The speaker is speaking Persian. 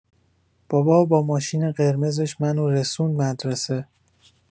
بابا با ماشین قرمزش منو رسوند مدرسه.